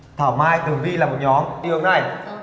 thảo mai tường vy là một nhóm đi hướng này